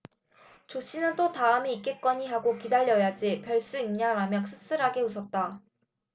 조씨는 또 다음이 있겠거니 하고 기다려야지 별 수 있나라며 씁쓸하게 웃었다